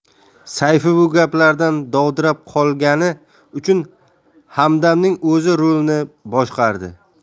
sayfi bu gaplardan dovdirab qolgani uchun hamdamning o'zi rulni boshqardi